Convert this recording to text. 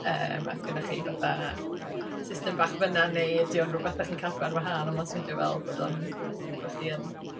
Yym a oes gennych chi fatha system bach fan'na, neu ydy o'n rywbeth dach chi'n cadw ar wahân, ond ma'n swndio fel bod o'n... bod chi yn...